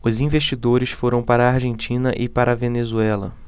os investidores foram para a argentina e para a venezuela